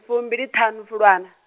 fumbiliṱhanu Fulwana.